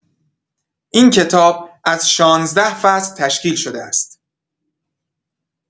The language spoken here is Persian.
این کتاب از شانزده فصل تشکیل شده است.